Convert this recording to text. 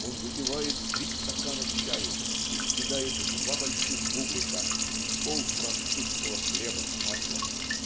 он выпивает три стакана чаю и съедает два больших бублика и пол французского хлеба с маслом.